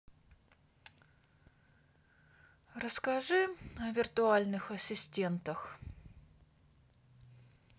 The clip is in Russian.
расскажи о виртуальных ассистентах